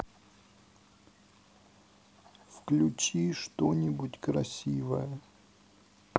включи что нибудь красивое